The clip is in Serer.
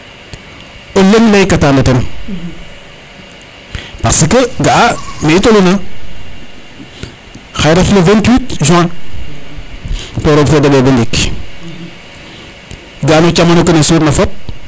o leŋ leyka tano ten parce que ga'a me i toluna xaye ref le vingt huit juin to roog fe deɓe bo ndiik ga ano no camano kene suurna fop